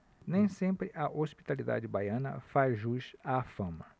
nem sempre a hospitalidade baiana faz jus à fama